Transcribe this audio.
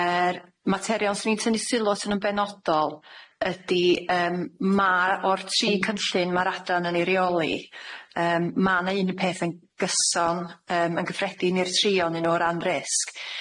Yr materion 'swn i'n tynnu sylw atyn nw'n benodol ydi yym ma' o'r tri cynllun ma'r adan yn ei reoli yym ma' 'na un peth yn gyson yym yn gyffredin i'r tri o'nyn nw o ran risg,